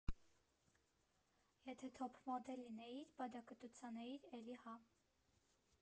Եթե թոփ մոդել լինեյիր, բադակտուց անեյիր, էլի հա…